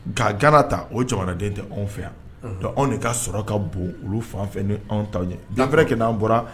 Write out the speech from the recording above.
Nka g ta o jamanaden tɛ anw fɛ yan anw de ka sɔrɔ ka bon olu fan fɛ ni anw ta ganfɛ kɛ'an bɔra